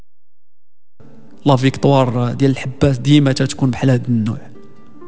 ما فيكتوار للحبه ديمه تكون حلال نوح